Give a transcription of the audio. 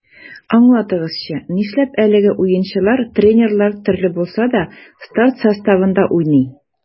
Аңлатыгызчы, нишләп әлеге уенчылар, тренерлар төрле булса да, старт составында уйный?